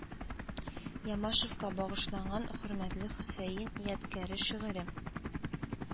Ямашевка багышланган Хөрмәтле Хөсәен ядкяре шигыре